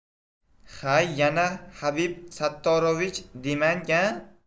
hay yana habib sattorovich demang a